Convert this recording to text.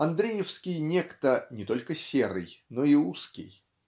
Андреевский Некто не только серый, но и узкий.